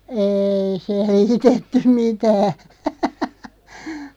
ei selitetty mitään